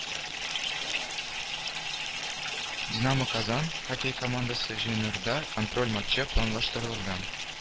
“динамо-казан” хоккей командасы җыеннарында контроль матчы планлаштырылган